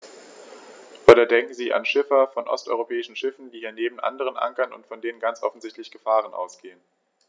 Oder denken Sie an Schiffer von osteuropäischen Schiffen, die hier neben anderen ankern und von denen ganz offensichtlich Gefahren ausgehen.